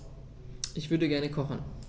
Ich würde gerne kochen.